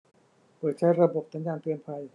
เปิดใช้ระบบสัญญาณเตือนภัย